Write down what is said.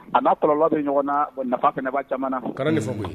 A kɔrɔlɔn don ɲɔgɔn na nafaba jamana